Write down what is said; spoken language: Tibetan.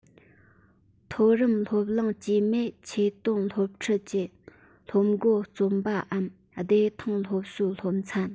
མཐོ རིམ སློབ གླིང དཀྱུས མས ཆེད དོན སློབ ཁྲིད ཀྱི སློབ མགོ རྩོམ པའམ བདེ ཐང སློབ གསོའི སློབ ཚན